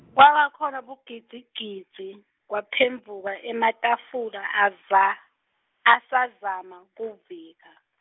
kwaba khona bugidzigidzi, kwaphendvuka ematafula aza-, asazama, kuvika.